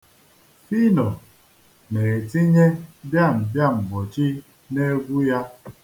Fino na-etinye bịambịamgbochi n'egwu ya.